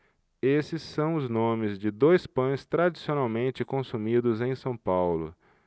esses são os nomes de dois pães tradicionalmente consumidos em são paulo